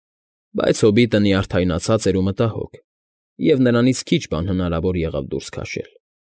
Բայց հոբիտը նյարդայնացած էր ու մտահոգ և նրանից քիչ բան հնարավոր եղավ դուրս քաշել։